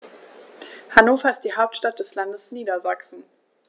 Hannover ist die Hauptstadt des Landes Niedersachsen.